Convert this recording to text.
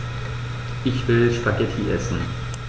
Ich will Spaghetti essen.